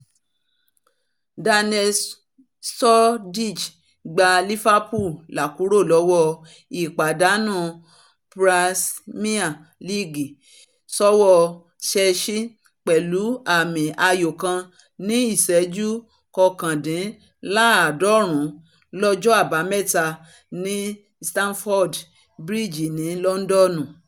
Daniel Sturridge gba Liverpool là kúrò lọ́wọ́ ìpàdánù Pírẹ́míà Líìgì sọ́wọ́ Chelsea pẹ̀lú àmì ayò kan ní ìṣẹ́jú kọkàndínláàádọ́rún lọ́jọ́ Àbámẹ́ta ní Stamford Bridge ní Lọndọnu.